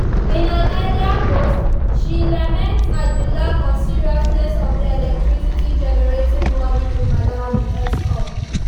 In an earlier post, she laments at the lack of seriousness of the electricity generating body in Malawi ESCOM.